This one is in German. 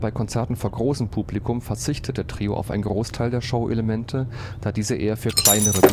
Konzerten vor großem Publikum verzichtete Trio auf einen Großteil der Showelemente, da diese eher für kleinere